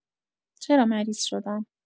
چرا مریض شدم؟